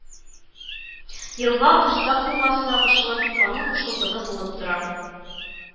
Елга Корсак елгасына кушылып, аның кушылдыгы булып тора